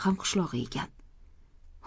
hamqishlog'i ekan